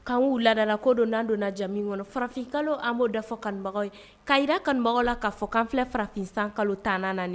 Kanu ladala kodon an donnaja kɔnɔ farafinka an b'o da fɔ kanubagaw ye ka jirara kanubagaw la'a fɔ kan farafin san kalo ta